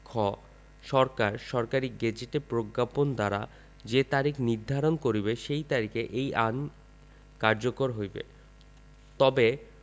২ সরকার সরকারী গেজেটে প্রজ্ঞাপন দ্বারা যে তারিখ নির্ধারণ করিবে সেই তারিখে এই আইন কার্যকর হইবে তবে